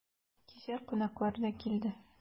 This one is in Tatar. Кичә кунаклар да килде.